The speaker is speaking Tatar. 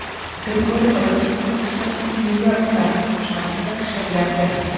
Григорий Родченков өчен The New York Times ышанычлы кеше белән бер.